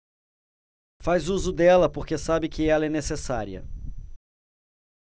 faz uso dela porque sabe que ela é necessária